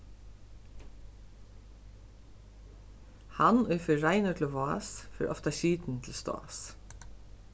hann ið fer reinur til vás fer ofta skitin til stás